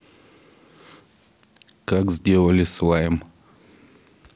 как сделали слайм